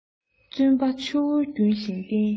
བརྩོན པ ཆུ བོའི རྒྱུན བཞིན བསྟེན